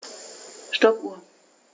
Stoppuhr.